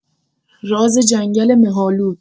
راز جنگل مه‌آلود